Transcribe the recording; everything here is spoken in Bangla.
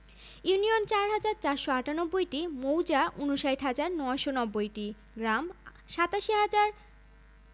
ইউনিয়ন ৪হাজার ৪৯৮টি মৌজা ৫৯হাজার ৯৯০টি গ্রাম ৮৭হাজার